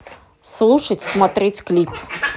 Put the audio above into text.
слушать смотреть клип